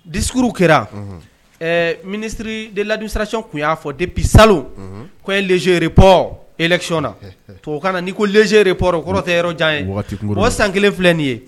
Dik kɛra ɛɛ minisiriri de lamisacɔn tun y'a fɔ bisalo ko e zoerep ekicyɔn na fo o kana na'i ko zerepɔ kɔrɔ tɛ yɔrɔjan ye o san kelen filɛ nin ye